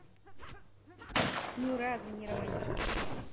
ну разве не романтично